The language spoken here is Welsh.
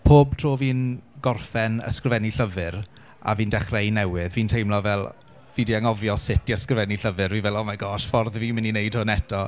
Pob tro fi'n gorffen ysgrifennu llyfr a fi'n dechrau un newydd, fi'n teimlo fel fi 'di anghofio sut i ysgrifennu llyfr, fi fel "oh my gosh ffordd fi'n mynd i wneud hwn eto".